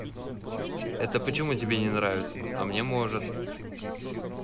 это почему тебе не нравится а мне может